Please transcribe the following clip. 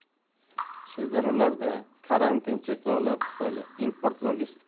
chegaralarda karantin cheklovlari tufayli import logistikasi